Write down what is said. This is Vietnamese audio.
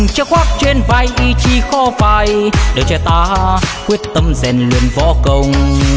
hành trang khoác trên vai ý chí khó phai đời trai ta quyết tâm rèn luyện võ công